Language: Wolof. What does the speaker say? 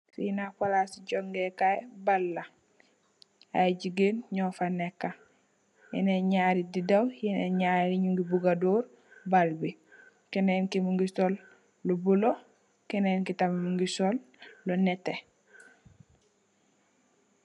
Fi palasi jongeh kaay baal la. Ay jigeen nyufa neka, nyenen nyarr di daaw, nyenen nyarr nyunge buga door baal bi. Kenen ki mungi sul lu bulah, kenen ki tam mungi sul lu neteh.